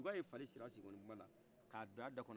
duga ye fale siri a sennknidenkunba la k' a don a da kɔnɔ